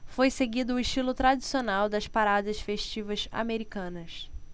foi seguido o estilo tradicional das paradas festivas americanas